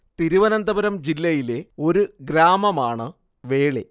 തിരുവനന്തപുരം ജില്ലയിലെ ഒരു ഗ്രാമമാണ് വേളി